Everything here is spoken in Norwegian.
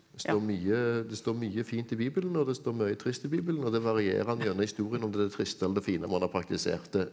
det står mye det står mye fint i bibelen og det står mye trist i bibelen og det varierer gjennom historien om det er det triste eller det fine man har praktisert.